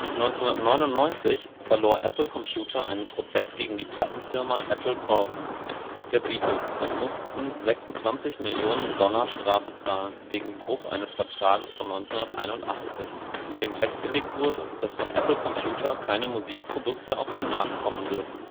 1999 verlor Apple Computer einen Prozess gegen die Plattenfirma Apple Corps. der Beatles und mussten 26 Mio. Dollar Strafe zahlen wegen Bruch eines Vertrages von 1981, in dem festgelegt wurde, dass von Apple Computer keine Musikprodukte auf den Markt kommen dürfen